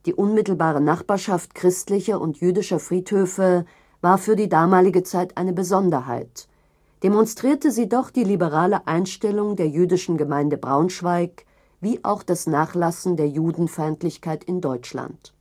unmittelbare Nachbarschaft christlicher und jüdischer Friedhöfe war für die damalige Zeit eine Besonderheit, demonstrierte sie doch die liberale Einstellung der Jüdischen Gemeinde Braunschweig, wie auch das Nachlassen der Judenfeindlichkeit in Deutschland